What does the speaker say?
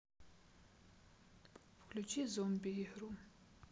включи зомби игру